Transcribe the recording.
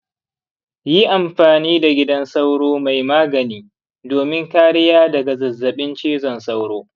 yi amfani da gidan sauro mai magani domin kariya daga zazzabin cizon sauro.